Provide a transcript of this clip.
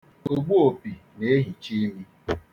Ogbu opi na-ehicha imi.